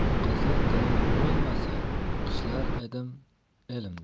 qizil tilim bo'lmasa qishlar edim elimda